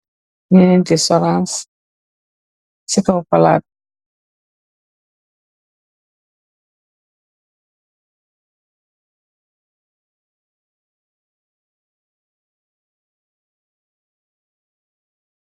Njenenti sohranse cii kaww platt.